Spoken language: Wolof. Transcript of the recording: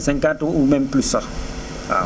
50 ou même plus sax waaw